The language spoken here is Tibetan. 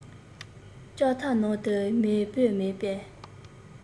ལྕགས ཐབ ནང དུ མེ བུད མེད པས